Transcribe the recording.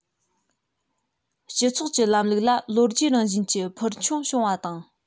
སྤྱི ཚོགས ཀྱི ལམ ལུགས ལ ལོ རྒྱུས རང བཞིན གྱི འཕུར མཆོང བྱུང བ དང